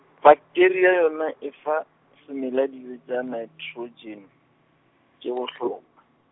pakteria yona e fa, semela dijo tša nitrogen, tše bohlokwa.